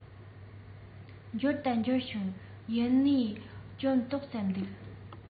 འབྱོར ད འབྱོར བྱུང ཡིན ནའི སྐྱོན ཏོག ཙམ འདུག